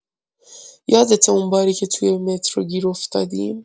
یادته اون باری که توی مترو گیر افتادیم؟